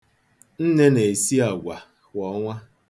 Nne na-esi agwa kwa ọnwa.